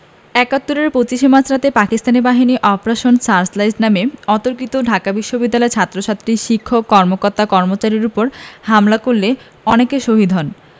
৭১ এর ২৫ মার্চ রাতে পাকিস্তান বাহিনী অপারেশন সার্চলাইট নামে অতর্কিতে ঢাকা বিশ্ববিদ্যালয়ের ছাত্রছাত্রী শিক্ষক কর্মকর্তা কর্মচারীদের উপর হামলা করলে অনেকে শহীদ হন